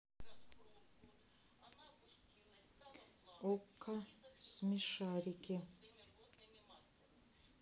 окко смешарики